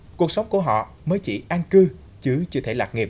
cuộc sống của họ mới chỉ an cư chứ chưa thể lạc nghịp